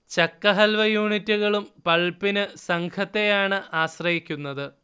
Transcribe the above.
ചക്ക ഹൽവ യൂണിറ്റുകളും പൾപ്പിന് സംഘത്തെയാണ് ആശ്രയിക്കുന്നത്